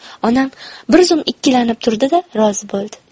onam bir zum ikkilanib turdi da rozi bo'ldi